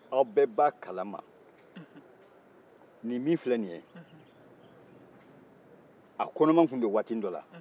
aw bɛɛ b'a kalama nin min filɛ nin ye a kɔnɔma tun don waati dɔ la